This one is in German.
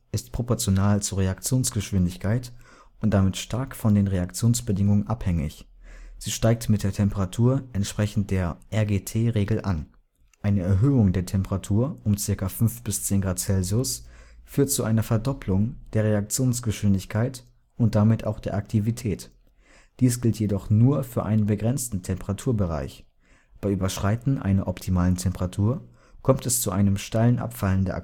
ist proportional zur Reaktionsgeschwindigkeit und damit stark von den Reaktionsbedingungen abhängig. Sie steigt mit der Temperatur entsprechend der RGT-Regel an: eine Erhöhung der Temperatur um ca. 5 – 10 °C führt zu einer Verdoppelung der Reaktionsgeschwindigkeit und damit auch der Aktivität. Dies gilt jedoch nur für einen begrenzten Temperaturbereich. Bei Überschreiten einer optimalen Temperatur kommt es zu einem steilen Abfallen der Aktivität